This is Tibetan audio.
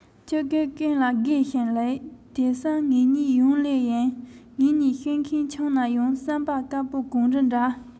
སྤྱི སྒེར ཀུན ལ དགེ ཞིང ལེགས དེ བསམ ངེད གཉིས ཡོང ལེ ཡིན ངེད གཉིས ཤོད མཁན ཆུང ན ཡང བསམ པ དཀར པོ གངས རི འདྲ